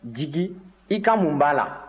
jigi i ka mun b'a la